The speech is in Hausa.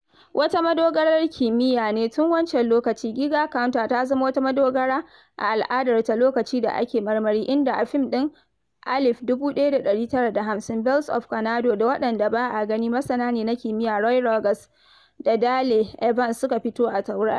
Wata madogarar kimiyya ne tun wancan lokacin, Geiger Counter ta zama wata madogara a al’adar ta lokaci da ake marmari, inda a fim din 1950 "Bells of Coronado," da waɗanda ba a gani masana ne na kimiyya Roy Rogers da Dale Evans suka fito a taurari: